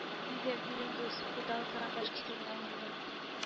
— диде минем дус, кулдагы карандаш кисәгенә үрелеп